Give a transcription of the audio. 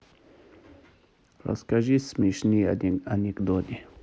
расскажи смешные анекдоты